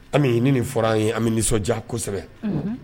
Ne nin fɔra an ye an bɛ nisɔndiya kosɛbɛ